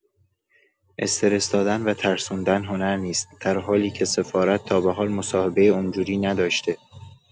استرس دادن و ترسوندن هنر نیست در حالی که سفارت تابحال مصاحبه اونجوری نداشته!